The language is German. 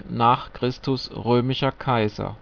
n. Chr. römischer Kaiser